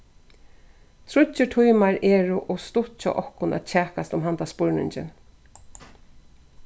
tríggir tímar eru ov stutt hjá okkum at kjakast um handa spurningin